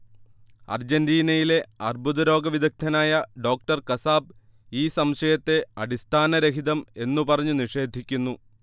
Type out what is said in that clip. അർജന്റീനിയയിലെ അർബുദരോഗവിദഗ്ദനായ doctor Kasap ഈ സംശയത്തെ അടിസ്ഥാനരഹിതം എന്നു പറഞ്ഞ് നിഷേധിക്കുന്നു